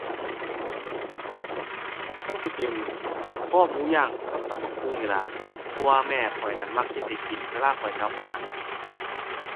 คงสิเป็นคอหมูย่างกับตำบักหุ่งนี่ล่ะ เพราะว่าแม่ข้อยนั่นมักเฮ็ดให้กินเวลาข้อยกลับบ้าน